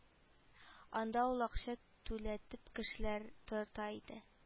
Анда ул акча түләтеп кешеләр тота иде